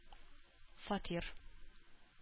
Фатир